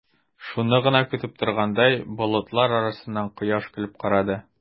Шуны гына көтеп торгандай, болытлар арасыннан кояш көлеп карады.